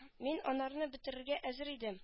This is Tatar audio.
Мин анарны бетеререгә әзер идем